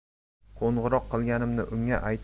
qo'ng'iroq qilganimni unga